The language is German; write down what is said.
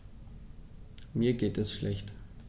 Mir geht es schlecht.